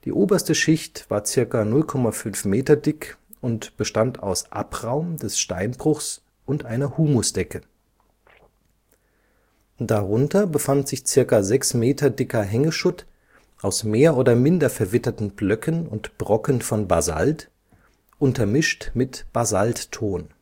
oberste Schicht war ca. 0,5 m dick und bestand aus Abraum des Steinbruchs und einer Humusdecke. Darunter befand sich ca. 6 m dicker Hängeschutt aus mehr oder minder verwitterten Blöcken und Brocken von Basalt, untermischt mit Basaltton